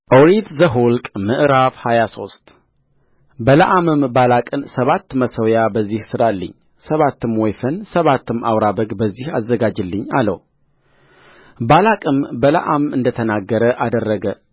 ኦሪት ዘኍልቍ ምዕራፍ ሃያ ሶስት በለዓምም ባላቅን ሰባት መሠዊያ በዚህ ሥራልኝ ሰባትም ወይፈን ሰባትም አውራ በግ በዚህ አዘጋጅልኝ አለውባላቅም በለዓም እንደ ተናገረ አደረገ